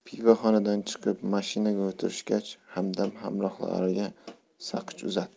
pivoxonadan chiqib mashinaga o'tirishgach hamdam hamrohlariga saqich uzatdi